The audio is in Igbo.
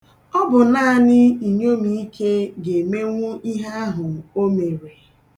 Ọ bụ naanị inyommike ga-emenwu ihe ahụ o mere.